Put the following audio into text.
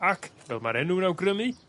Ac fel mae'r enw'n awgrymu